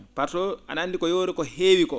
par ce a?a anndi yooro ko heewi koo